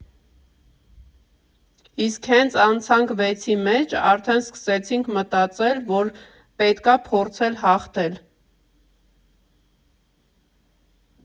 Իսկ հենց անցանք վեցի մեջ, արդեն սկսեցինք մտածել, որ պետք ա փորձել հաղթել։